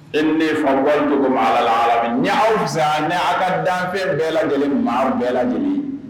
E ni ne aw fisa ni aw ka danfɛ bɛɛ lajɛlen maa bɛɛ lajɛlen